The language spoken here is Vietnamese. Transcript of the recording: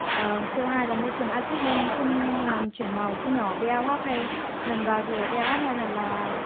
ờ xê ô hai là môi trường a xít nên không làm chuyển màu khi nhỏ bê a ô hát hai lần vào thì à bê a ô hát hai lần là